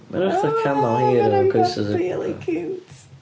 Maen nhw fatha camel hir efo coesau... Rili ciwt!